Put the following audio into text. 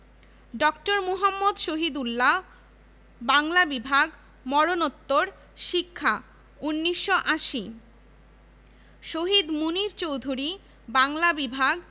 professor Mohammad Kibria চারুকলা অনুষদ চারুকলা ১৯৯৯ সরদার ফজলুল করিম রাষ্ট্রবিজ্ঞান বিভাগ শিক্ষা ২০০০